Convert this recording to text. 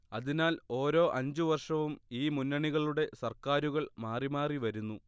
അതിനാൽ ഓരോ അഞ്ച് വർഷവും ഈ മുന്നണികളുടെ സർക്കാരുകൾ മാറി മാറി വരുന്നു